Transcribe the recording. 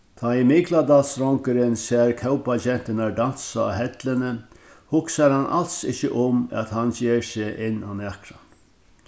tá ið mikladalsdrongurin sær kópagenturnar dansa á helluni hugsar hann als ikki um at hann ger seg inn á nakran